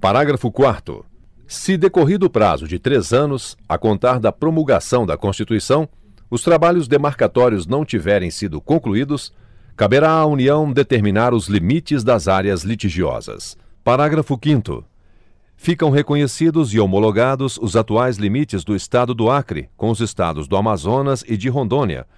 parágrafo quarto se decorrido o prazo de três anos a contar da promulgação da constituição os trabalhos demarcatórios não tiverem sido concluídos caberá à união determinar os limites das áreas litigiosas parágrafo quinto ficam reconhecidos e homologados os atuais limites do estado do acre com os estados do amazonas e de rondônia